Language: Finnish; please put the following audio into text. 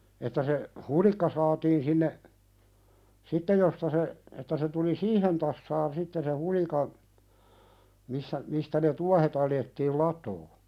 että se hulikka saatiin sinne sitten josta se että se tuli siihen tasaan sitten se hulikan missä mistä ne tuohet alettiin latoa